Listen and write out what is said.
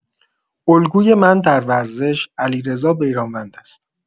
الگوی من در ورزش علیرضا بیرانوند است.